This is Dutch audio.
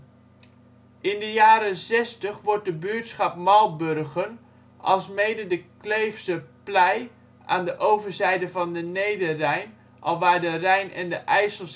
In de jaren zestig wordt de buurtschap Malburgen alsmede de Kleefse Pleij (aan de overzijde van de Nederrijn, alwaar de Rijn en de IJssel